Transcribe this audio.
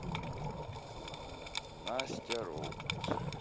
настя робот